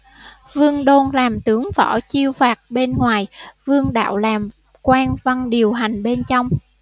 vương đôn làm tướng võ chiêu phạt bên ngoài vương đạo làm quan văn điều hành bên trong